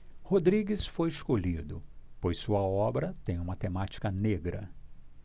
rodrigues foi escolhido pois sua obra tem uma temática negra